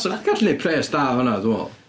'Sa chdi'n gallu wneud pres da o hwnna dwi'n meddwl.